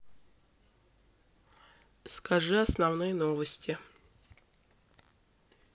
скажи основные новости